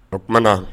O tuma